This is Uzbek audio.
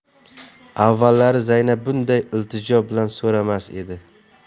avvallari zaynab bunday iltijo bilan so'ramas edi